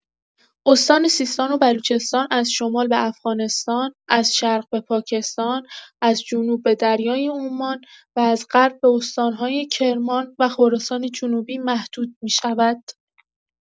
استان سیستان و بلوچستان از شمال به افغانستان، از شرق به پاکستان، از جنوب به دریای عمان و از غرب به استان‌های کرمان و خراسان‌جنوبی محدود می‌شود.